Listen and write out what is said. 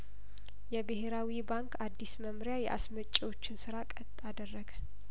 የብሄራዊ ባንክ አዲስ መምሪያ የአስመጪዎችን ስራ ቀጥ አደረገው